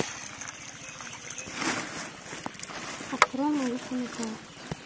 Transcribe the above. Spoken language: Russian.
открой мою фанател